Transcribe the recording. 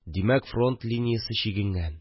Димәк – фронт линиясе чигенгән